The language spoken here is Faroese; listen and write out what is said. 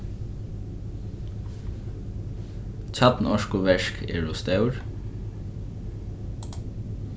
kjarnorkuverk eru stór